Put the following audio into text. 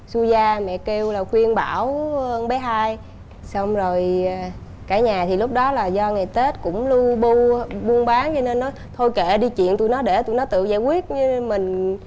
xui gia mẹ kêu là khuyên bảo con bé hai xong rồi cả nhà thì lúc đó là do ngày tết cũng lu bu buôn bán cho nên nói thôi kệ đi chuyện tụi nó để tui nó tự giải quyết như mình